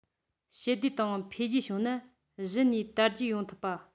ཞི བདེ དང འཕེལ རྒྱས བྱུང ན གཞི ནས དར རྒྱས ཡོང ཐུབ པ